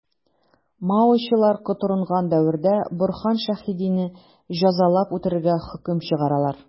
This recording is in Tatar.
Маочылар котырынган дәвердә Борһан Шәһидине җәзалап үтерергә хөкем чыгаралар.